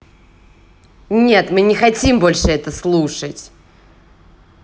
нет мы не хотим это больше слушать